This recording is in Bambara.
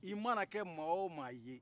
i manakɛ maa wo maa ye